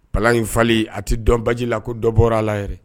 Pa in falenli a tɛ dɔnbaji la ko dɔbɔ la yɛrɛ